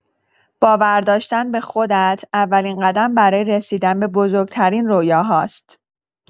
باور داشتن به خودت اولین قدم برای رسیدن به بزرگ‌ترین رؤیاهاست.